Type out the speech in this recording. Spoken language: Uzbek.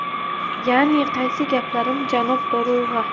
yani qaysi gaplarim janob dorug'a